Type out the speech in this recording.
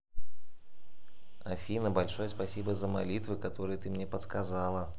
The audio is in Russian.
афина большое спасибо за молитвы которые ты мне подсказала